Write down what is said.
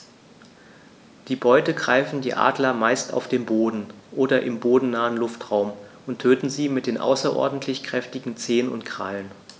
Die Beute greifen die Adler meist auf dem Boden oder im bodennahen Luftraum und töten sie mit den außerordentlich kräftigen Zehen und Krallen.